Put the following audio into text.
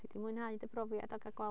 Ti di mwynhau dy brofiad o gael gweld...